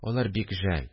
Алар бик жәл